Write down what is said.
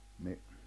niin